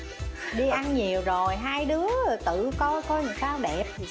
đi ăn nhiều rồi hai đứa tự coi coi rồi sao đẹp